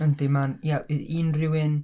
Yndi, mae'n, ia i unryw un...